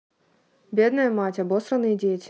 бедная мать обосранные дети